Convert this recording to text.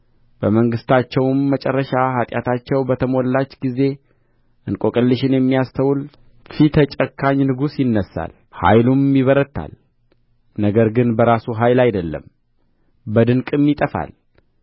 በመንግሥታቸውም መጨረሻ ኃጢአታቸው በተሞላች ጊዜ እንቈቅልሽን የሚያስተውል ፊተ ጨካኝ ንጉሥ ይነሣል ኃይሉም ይበረታል ነገር ግን በራሱ ኃይል አይደለም በድንቅም ያጠፋል